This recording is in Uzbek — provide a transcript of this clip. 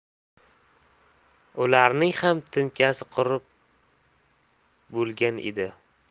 ularning ham tinkasi qurib bo'lgan edi